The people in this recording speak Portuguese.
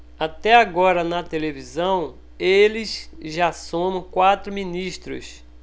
até agora na televisão eles já somam quatro ministros